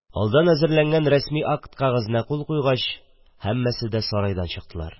Алдан әзерләнгән рәсми акт кәгазенә кул куйгач, һәммәсе дә сарайдан чыктылар